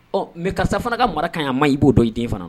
Ɔ mɛ karisasa fana ka mara ka ɲɛ maa i b'o dɔn i den fana